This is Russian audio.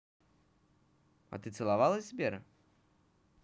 а ты целовалась сбера